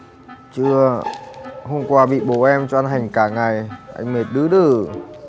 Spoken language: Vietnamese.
chưa hôm qua bị bố em cho ăn hành cả ngày anh mệt đứ đừ